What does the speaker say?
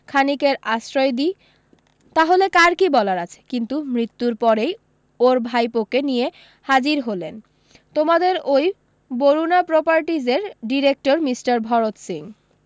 ক্ষণিকের আশ্রয় দিই তাহলে কার কী বলার আছে কিন্তু মৃত্যুর পরেই ওর ভাইপোকে নিয়ে হাজির হলেন তোমাদের ওই বরুণা প্রপারটিজের ডিরেকটর মিষ্টার ভরত সিং